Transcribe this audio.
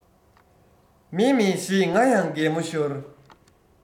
མཱེ མཱེ ཞེས ང ཡང གད མོ ཤོར